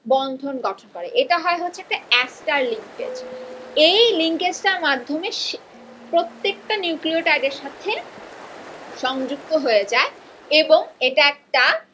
বন্ধন গঠন করে এটা হয় হচ্ছে একটা এস্টার লিংকেজ এই লিংকেজ টার মাধ্যমে প্রত্যেকটা নিউক্লিওটাইড এর সাথে সংযুক্ত হয়ে যায় এবং এটা একটা